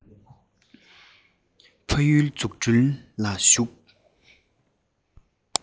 ཕ ཡུལ གྱི འཛུགས སྐྲུན ལ ཞུགས